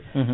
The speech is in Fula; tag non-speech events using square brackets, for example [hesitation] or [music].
[hesitation] [hesitation]